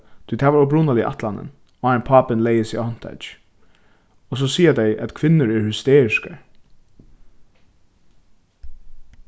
tí tað var upprunaliga ætlanin áðrenn pápin legði seg á handtakið og so siga tey at kvinnur eru hysteriskar